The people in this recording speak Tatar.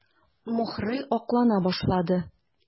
Мухрый аклана башлады.